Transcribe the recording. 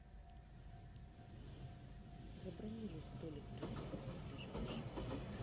забронируй столик в ресторане ближайшем